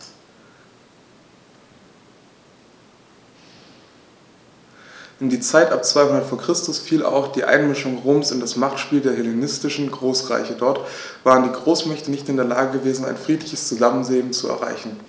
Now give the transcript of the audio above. In die Zeit ab 200 v. Chr. fiel auch die Einmischung Roms in das Machtspiel der hellenistischen Großreiche: Dort waren die Großmächte nicht in der Lage gewesen, ein friedliches Zusammenleben zu erreichen.